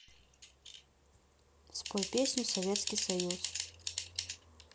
спой песню советский союз